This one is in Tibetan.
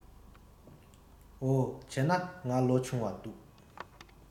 འོ བྱས ན ང ལོ ཆུང བ འདུག